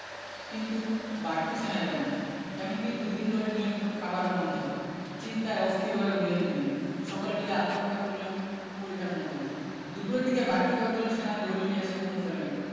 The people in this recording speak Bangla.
কিন্তু বাড়তি সেনা এলো না এমনকি দুই দিন ধরে নিয়মিত খাবারও বন্ধ চিন্তায় অস্থির হয়ে উঠলেন তিনি সকলে মিলে আত্মরক্ষা করলেন পরিখার মধ্যে দুপুরের দিকে বাড়তি কয়েকজন সেনা দরুইনে এসে পৌঁছালেন